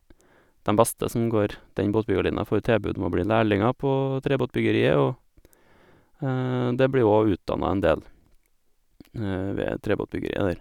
Dem beste som går den båtbyggerlinja får tilbud om å bli lærlinger på trebåtbyggeriet, og det blir jo óg utdanna en del ved trebåtbyggeriet der.